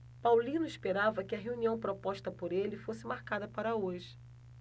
paulino esperava que a reunião proposta por ele fosse marcada para hoje